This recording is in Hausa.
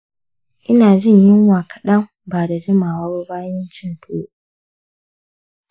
ina jin yunwa kaɗan ba da jimawa ba bayan cin tuwo.